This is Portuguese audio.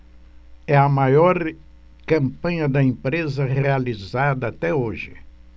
é a maior campanha da empresa realizada até hoje